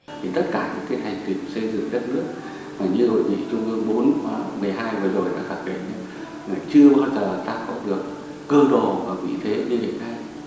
thì tất cả những cái hành trình xây dựng đất nước ngoài mà như hội nghị trung ương bốn khóa mười hai vừa rồi đã khẳng định là chưa bao giờ ta không được cương đồ và vị thế như hiện nay